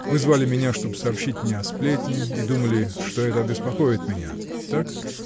Вы звали меня, чтоб сообщить мне о сплетне, и думали, что это обеспокоит меня, — так?